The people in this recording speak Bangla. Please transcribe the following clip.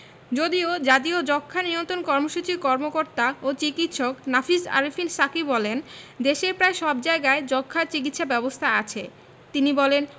যদিও জাতীয় যক্ষ্মা নিয়ন্ত্রণ কর্মসূচির কর্মকর্তা ও চিকিৎসক নাফিস আরেফিন সাকী বলেন দেশের প্রায় সব জায়গায় যক্ষ্মার চিকিৎসা ব্যবস্থা আছে তিনি বলেন